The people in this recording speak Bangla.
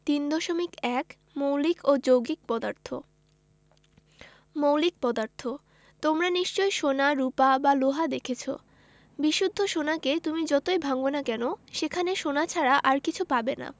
৩.১ মৌলিক ও যৌগিক পদার্থঃ মৌলিক পদার্থ তোমরা নিশ্চয় সোনা রুপা বা লোহা দেখেছ বিশুদ্ধ সোনাকে তুমি যতই ভাঙ না কেন সেখানে সোনা ছাড়া আর কিছু পাবে না